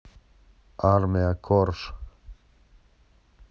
армия корж